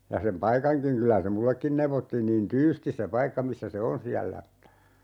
ja sen paikankin kyllä se minullekin neuvottiin niin tyystin se paikka missä se on siellä että